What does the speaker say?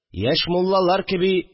Яшь муллалар кеби